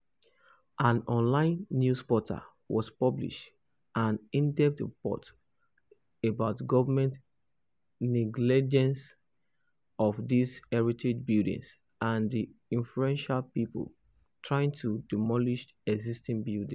An online news portal has published an in-depth report about government negligence of these heritage buildings and the influential people trying to demolish existing buildings: